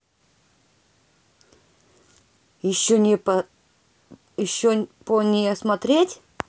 еще по не смотреть